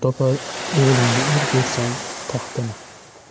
topar o'g'lingga erk bersang taxtini